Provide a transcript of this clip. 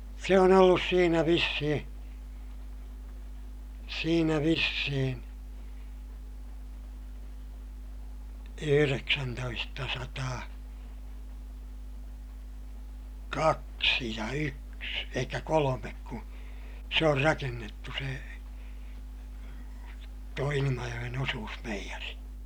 se on ollut siinä vissiin siinä vissiin yhdeksäntoistasataa kaksi ja yksi eli kolme kun se on rakennettu se tuo Ilmajoen osuusmeijeri